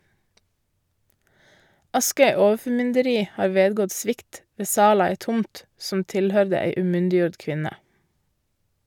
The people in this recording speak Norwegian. Askøy overformynderi har vedgått svikt ved sal av ei tomt som tilhøyrde ei umyndiggjord kvinne.